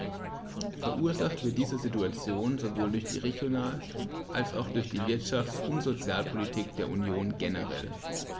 Verursacht wird diese Situation sowohl durch die Regional- als auch durch die Wirtschafts- und Sozialpolitik der Union generell.